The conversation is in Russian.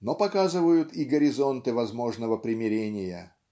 но показывают и горизонты возможного примирения.